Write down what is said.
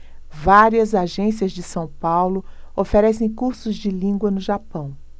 várias agências de são paulo oferecem cursos de língua no japão